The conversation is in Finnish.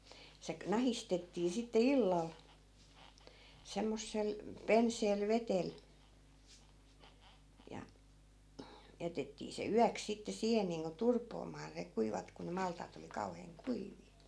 se nahistettiin sitten illalla semmoisella penseällä vedellä ja jätettiin se yöksi sitten siihen niin kuin turpoamaan ne kuivat kun ne maltaita oli kauhean kuivia